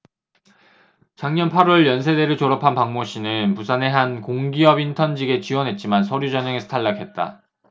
작년 팔 월 연세대를 졸업한 박모씨는 부산의 한 공기업 인턴 직에 지원했지만 서류 전형에서 탈락했다